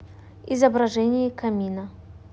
изображение камина